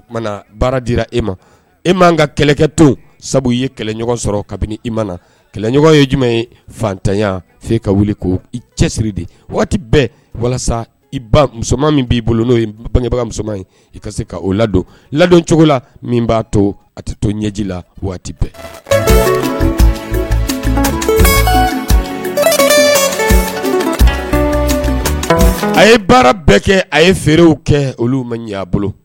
E m maan ka kɛlɛkɛ sabu ye kɛlɛɲɔgɔn sɔrɔ kabini i ma na kɛlɛɲɔgɔn ye jumɛn ye fantanya f ka wuli ko i cɛsiri de bɛɛ walasa i musoman min b'i bolo n'o bangebaga musoman i se k' o ladon ladon cogo la min b'a to a tɛ to ɲɛji la waati bɛɛ a ye baara bɛɛ kɛ a ye feerew kɛ olu ma ɲi aa bolo